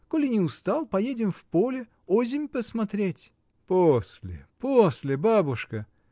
Коли не устал, поедем в поле: озимь посмотреть. — После, после, бабушка.